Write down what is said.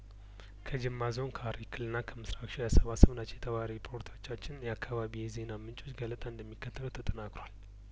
ከጂማ ዞን ከሀረሪ ክልልና ከምስራቅ ሸዋ ያሰባሰብናቸው የተባባሪ ሪፖርተሮቻችንና የአካባቢ የዜና ምንጮች ገለጣ እንደሚከተለው ተጠናክሯል